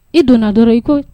I donna dɔrɔn i ko